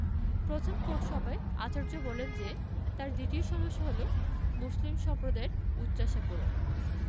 প্রথম কোর্ট সভায় আচার্য বলেন যে তাঁর দ্বিতীয় সমস্যা হলো মুসলিম সম্প্রদায়ের উচ্চাশা পূরণ